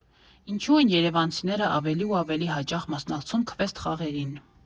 Ինչու են երևանցիները ավելի ու ավելի հաճախ մասնակցում քվեսթ֊խաղերին։